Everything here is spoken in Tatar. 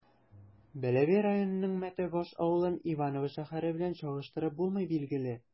Бәләбәй районының Мәтәүбаш авылын Иваново шәһәре белән чагыштырып булмый, билгеле.